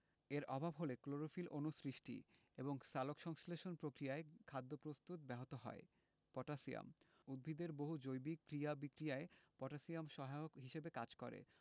এর অভাব হলে ক্লোরোফিল অণু সৃষ্টি এবং সালোকসংশ্লেষণ প্রক্রিয়ায় খাদ্য প্রস্তুত ব্যাহত হবে পটাশিয়াম উদ্ভিদের বহু জৈবিক ক্রিয়া বিক্রিয়ায় পটাশিয়াম সহায়ক হিসেবে কাজ করে